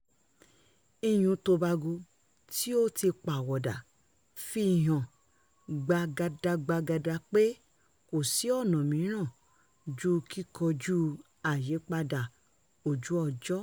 Iyùn Tobago tí ó ti ń pàwọ̀dà fi hàn gbàgàdàgbagada pé kò sí ọ̀nà mìíràn ju kíkojú àyípadà ojú-ọjọ́